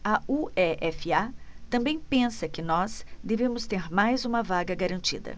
a uefa também pensa que nós devemos ter mais uma vaga garantida